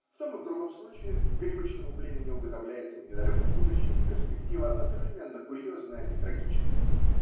В том и в другом случае горемычному племени уготовляется в недалеком будущем перспектива, одновременно курьезная и трагическая.